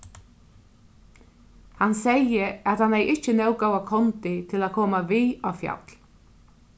hann segði at hann hevði ikki nóg góða kondi til at koma við á fjall